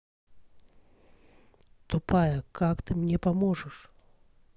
тупая как ты мне поможешь